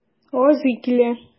Гази килә.